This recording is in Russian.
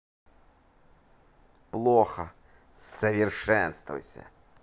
плохо совершенствующийся